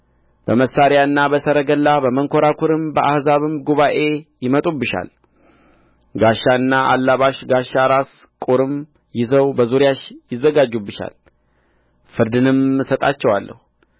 በመሣሪያና በሰረገላ በመንኰራኵርም በአሕዛብም ጉባኤ ይመጡብሻል ጋሻና አላባሽ ጋሻ ራስ ቍርም ይዘው በዙሪያሽ ይዘጋጁብሻል ፍርድንም እሰጣቸዋለሁ